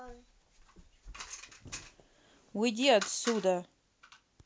уйди отсюда